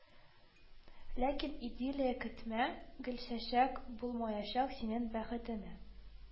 Ләкин идиллия көтмә, Гөлчәчәк, булмаячак, синең бәхетеңә